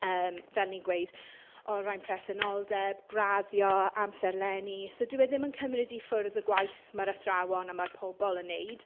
Yym fel ni'n gweud o ran presenoldeb, graddio, amserleni. So dyw e ddim yn cymryd i ffwrdd y gwaith mae'r athrawon a ma' pobl yn wneud.